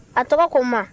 a tɔgɔ ko ma